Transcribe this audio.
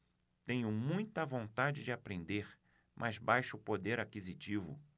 tenho muita vontade de aprender mas baixo poder aquisitivo